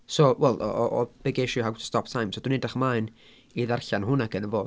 So wel o o o be' ges i How to Stop Time so dwi'n edrych ymlaen i ddarllen hwnna ganddo fo.